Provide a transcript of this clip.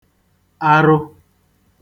arụ